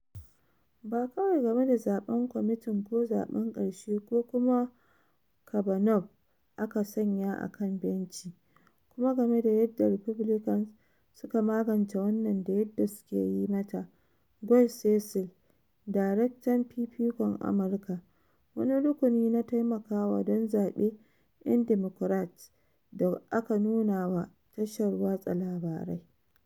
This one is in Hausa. "Ba kawai game da zaben kwamitin ko zaben karshe ko kuma Kavanaugh aka sanya a kan benci, kuma game da yadda Republicans suka magance wannan da yadda suka yi mata," Guy Cecil, darektan Fifikon Amurka, wani rukuni na taimakawa don zabe 'yan Democrat, da aka nuna wa tashar watsa labarai.